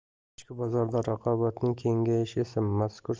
ichki bozorda raqobatning kengayishi esa mazkur